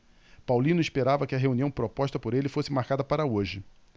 paulino esperava que a reunião proposta por ele fosse marcada para hoje